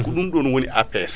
ko ɗum ɗon woni APS